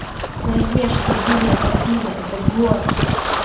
заешь ты дура афина это город